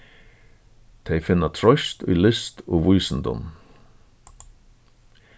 tey finna troyst í list og vísindum